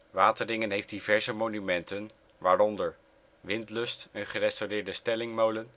Wateringen heeft diverse monumenten, waaronder: Windlust, een gerestaureerde stellingmolen